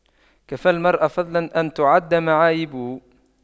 كفى المرء فضلا أن تُعَدَّ معايبه